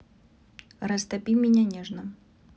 растопи меня нежно